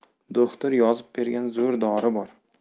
do'xtir yozib bergan zo'r dori bor